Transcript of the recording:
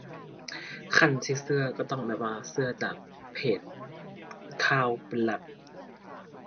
คันสิเชื่อเชื่อต้องแบบว่าเชื่อจากเพจข่าวเป็นหลัก